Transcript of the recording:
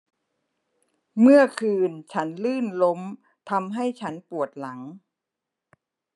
เมื่อคืนฉันลื่นล้มทำให้ฉันปวดหลัง